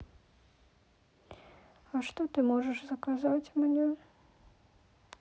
а что ты можешь заказать мне